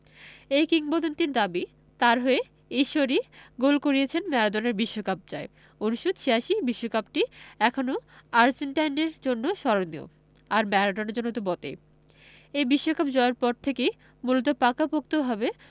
এই কিংবদন্তির দাবি তাঁর হয়ে ঈশ্বরই গোল করিয়েছেন ম্যারাডোনার বিশ্বকাপ জয় ১৯৮৬ বিশ্বকাপটি এখনো আর্জেন্টাইনদের জন্য স্মরণীয় আর ম্যারাডোনার জন্য তো বটেই এই বিশ্বকাপ জয়ের পর থেকেই মূলত পাকাপোক্তভাবে